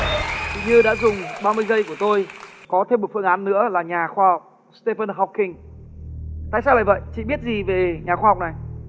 chị như đã dùng ba mươi giây của tôi có thêm một phương án nữa là nhà khoa học se vừn hoóc kinh tại sao lại vậy chị biết gì về nhà khoa học này